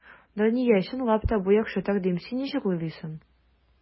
Дания, чынлап та, бу яхшы тәкъдим, син ничек уйлыйсың?